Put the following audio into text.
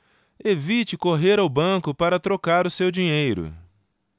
evite correr ao banco para trocar o seu dinheiro